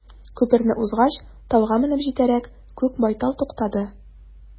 Күперне узгач, тауга менеп җитәрәк, күк байтал туктады.